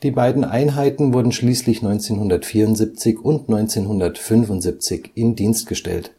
beiden Einheiten wurden schließlich 1974 und 1975 in Dienst gestellt